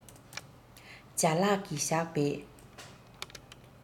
བྱ གླག གིས བཞག པའི